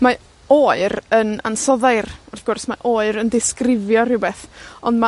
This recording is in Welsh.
Mae oer yn ansoddair, wrth gwrs. Ma' oer yn ddisgrifio rhywbeth, ond ma'